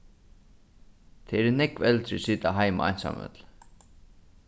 tað eru nógv eldri ið sita heima einsamøll